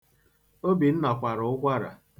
Obinna kwara ụkwara.